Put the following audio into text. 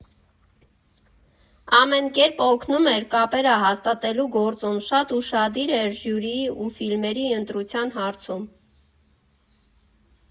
Ամեն կերպ օգնում էր կապերը հաստատելու գործում, շատ ուշադիր էր ժյուրիի ու ֆիլմերի ընտրության հարցում։